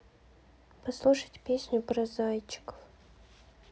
послушать песню про зайчиков